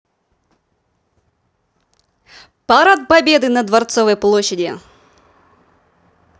парад победы на дворцовой площади